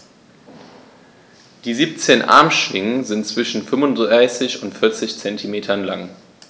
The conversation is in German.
Die 17 Armschwingen sind zwischen 35 und 40 cm lang.